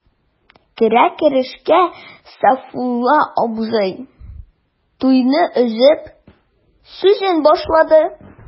Керә-керешкә Сафиулла абзый, туйны өзеп, сүзен башлады.